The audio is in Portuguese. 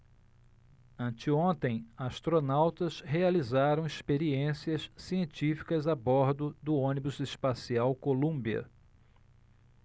anteontem astronautas realizaram experiências científicas a bordo do ônibus espacial columbia